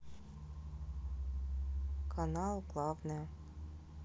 канал главная